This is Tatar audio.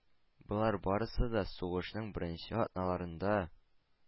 Болар барысы да – сугышның беренче атналарында